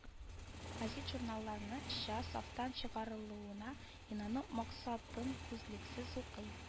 Гәзит-журналларны ча сафтан чыгарылуына инану максатын күзлексез укый